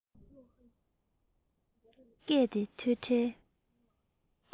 སྐད དེ ཐོས འཕྲལ